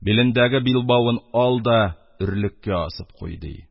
Билендәге билбавын ал да өрлеккә асып куй!